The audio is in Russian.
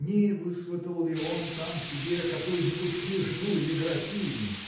не высватал ли он там себе какую-нибудь княжну или графиню